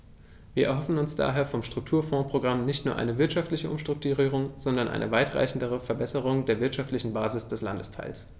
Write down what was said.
Wir erhoffen uns daher vom Strukturfondsprogramm nicht nur eine wirtschaftliche Umstrukturierung, sondern eine weitreichendere Verbesserung der wirtschaftlichen Basis des Landesteils.